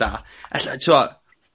...da. Elle, t'mo'